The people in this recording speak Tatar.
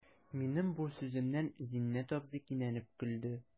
Минем бу сүземнән Зиннәт абзый кинәнеп көлде.